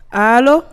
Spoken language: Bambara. Aa